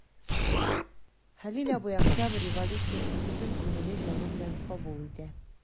Хәлил абый Октябрь революциясен бөтен күңеле, җаны белән кабул итә.